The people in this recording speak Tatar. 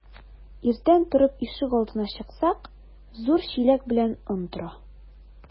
Иртән торып ишек алдына чыксак, зур чиләк белән он тора.